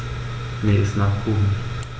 Mir ist nach Kuchen.